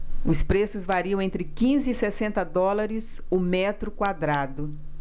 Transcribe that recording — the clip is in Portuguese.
os preços variam entre quinze e sessenta dólares o metro quadrado